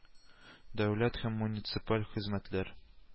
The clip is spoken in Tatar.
Дәүләт һәм муниципаль хезмәтләр